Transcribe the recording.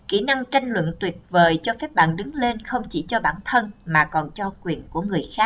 kỹ năng tranh luận tuyệt vời cho phép bạn đứng lên không chỉ cho bản thân mà còn cho quyền của người khác